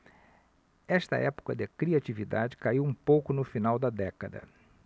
esta época de criatividade caiu um pouco no final da década